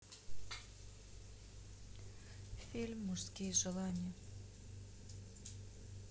фильм мужские желания